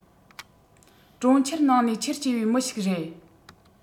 གྲོང ཁྱེར ནང ནས ཆེར སྐྱེས པའི མི ཞིག རེད